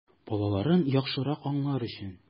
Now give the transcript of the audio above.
Балаларын яхшырак аңлар өчен!